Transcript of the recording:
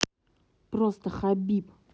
просто хабиб